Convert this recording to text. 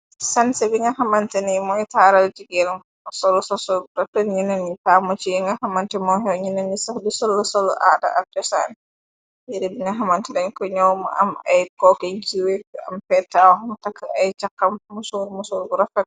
Sanse bi nga xamante nayi mooy taaral jigeel yu solu sasorugu rafët ñina ni pàmmu ci yi nga xamante mooyo ñina ni sax di soll solu aada ak josaan yare bi nga xamante lañ ko ñoow mu am ay kookiñ ci weyu am feetaaw xam tak ay càxxam musoor musoor bu rafet.